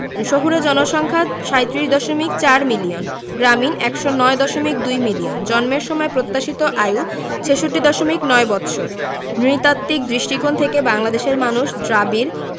শহুরে জনসংখ্যা ৩৭দশমিক ৪ মিলিয়ন গ্রামীণ ১০৯দশমিক ২ মিলিয়ন জন্মের সময় প্রত্যাশিত আয়ু ৬৬দশমিক ৯ বৎসর নৃতাত্ত্বিক দৃষ্টিকোণ থেকে বাংলাদেশের মানুষ দ্রাবিড়